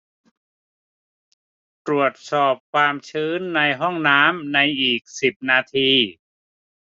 ตรวจสอบความชื้นในห้องน้ำในอีกสิบนาที